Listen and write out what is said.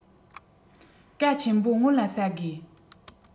ཀྭ ཆེན པོ སྔོན ལ ཟ དགོས